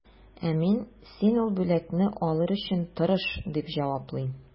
Ә мин, син ул бүләкне алыр өчен тырыш, дип җаваплыйм.